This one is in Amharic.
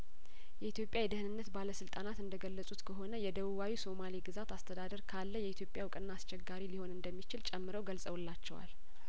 የኢትዮጵያ የደህንነት ባለስልጣናት እንደገለጹት ከሆነ የደቡባዊ ሶማሌ ግዛት አስተዳደር ካለ የኢትዮጵያ እውቅና አስቸጋሪ ሊሆን እንደሚችል ጨምረው ገልጸውላቸዋል